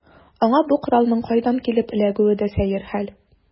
Аңа бу коралның кайдан килеп эләгүе дә сәер хәл.